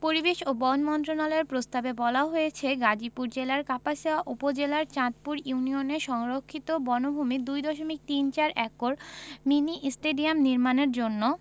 পরিবেশ ও বন মন্ত্রণালয়ের প্রস্তাবে বলা হয়েছে গাজীপুর জেলার কাপাসিয়া উপজেলার চাঁদপুর ইউনিয়নের সংরক্ষিত বনভূমি ২ দশমিক তিন চার একর মিনি স্টেডিয়াম নির্মাণের জন্য